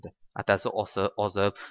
adasi ozib